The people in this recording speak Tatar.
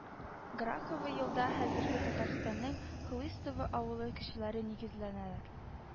Грахово елда хәзерге Татарстанның Хлыстово авылы кешеләре нигезләнәләр